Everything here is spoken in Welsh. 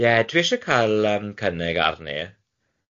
Ie dw isie cael yym cynnig arni, ond o-